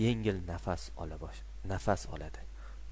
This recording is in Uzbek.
yengil nafas oladi